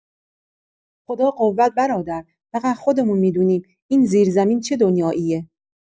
خدا قوت برادر، فقط خودمون می‌دونیم این زیرزمین چه دنیاییه.